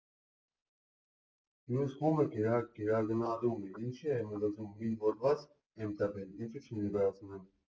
Մյուս խումբը գերագնահատում է, ի՞նչ է, մտածում է՝ մի հոդված եմ տպել, ինչո՞ւ չներկայացնեմ։